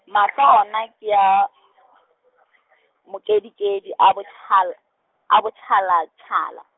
mahlo ona ke a, mokedikedi, a botjhala-, a botjhalatjhala.